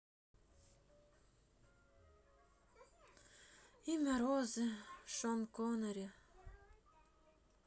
имя розы шон коннери